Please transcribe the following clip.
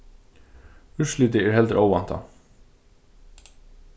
úrslitið er heldur óvæntað